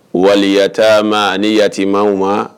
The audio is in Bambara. Wali taama ni yatimaw ma